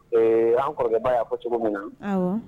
An kɔrɔkɛba y'a fɔ cogo min na